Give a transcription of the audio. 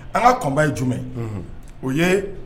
An ka kunba ye jumɛn o ye